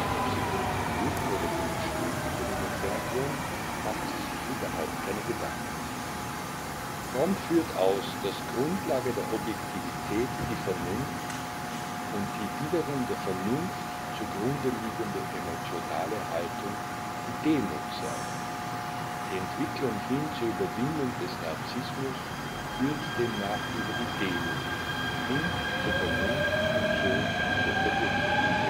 ob sie fünf Minuten oder fünf Stunden von ihm entfernt wohnt, macht sie sich überhaupt keine Gedanken. Fromm führt aus, dass Grundlage der Objektivität die Vernunft und die wiederum der Vernunft zugrundeliegende emotionale Haltung die Demut sei. Die Entwicklung hin zur Überwindung des Narzissmus führt demnach über die Demut, hin zur Vernunft und so zur Objektivität